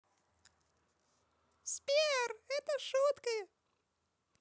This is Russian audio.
сбер это шутка же